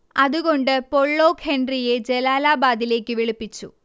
അതുകൊണ്ട് പൊള്ളോക്ക് ഹെൻറിയെ ജലാലാബാദിലേക്ക് വിളിപ്പിച്ചു